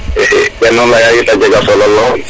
i konu leya yit a jaga solo lool